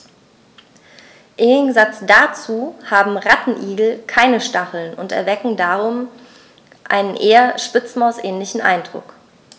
Im Gegensatz dazu haben Rattenigel keine Stacheln und erwecken darum einen eher Spitzmaus-ähnlichen Eindruck.